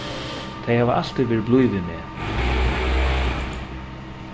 tey hava altíð verið blíð við meg